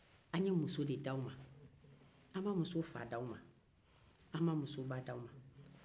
an ye muso di aw ma nka an m'a ba di aw ma an m'a fa di aw ma